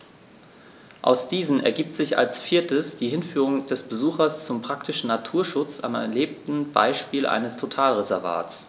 Aus diesen ergibt sich als viertes die Hinführung des Besuchers zum praktischen Naturschutz am erlebten Beispiel eines Totalreservats.